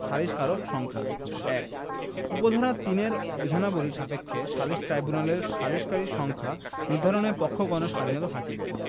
সালিসকারীর সংখ্যাঃ ১ উপ ধারা ৩ এর বিধানাবলী সাপেক্ষে সালিসী ট্রাইব্যুনালের সালিসকারীর সংখ্যা নির্ধারণে পক্ষগণের স্বাধীনতা থাকিবে